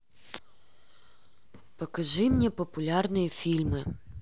покажи мне популярные фильмы